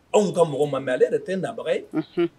Anw ka mɔgɔ ma na ale yɛrɛ tɛ mɔgɔ nabaga ye